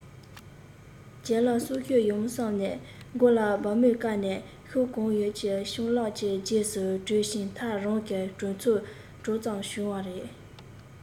ལྗད ལགས སྲོག ཤོར ཡོང བསམ ནས མགོ ལ སྦར མོ བཀབ ནས ཤུགས གང ཡོད ཀྱིས སྤྱང ལགས ཀྱི རྗེས སུ བྲོས ཕྱིན མཐར རང གི གྲོང ཚོར འབྱོར ཙམ བྱུང བ རེད